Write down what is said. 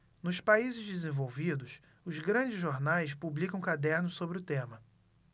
nos países desenvolvidos os grandes jornais publicam cadernos sobre o tema